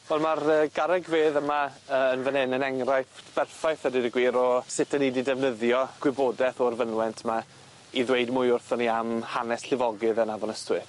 Wel ma'r yy garreg fedd yma yn fyn 'yn yn enghraifft berffaith a deud y gwir o sut 'dyn ni 'di defnyddio gwybodeth o'r fynwent 'my i ddweud mwy wrthon ni am hanes llifogydd yn Afon Ystwyth.